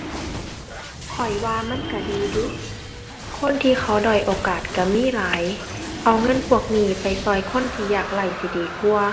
ข้อยว่ามันก็ดีเดะ คนที่เขาด้อยโอกาสก็มีหลาย เอาเงินพวกนี้ไปก็คนที่ยากไร้สิดีกว่า